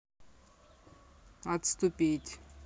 отступить